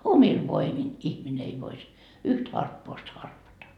omilla voimin ihminen ei voisi yhtä harppausta harpata